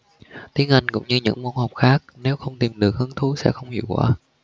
tiếng anh cũng như những môn học khác nếu không tìm được hứng thú thì sẽ không hiệu quả